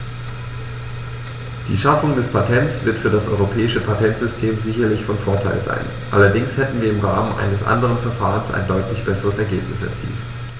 Die Schaffung des Patents wird für das europäische Patentsystem sicherlich von Vorteil sein, allerdings hätten wir im Rahmen eines anderen Verfahrens ein deutlich besseres Ergebnis erzielt.